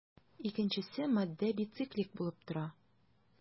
Икенчесе матдә бициклик булып тора.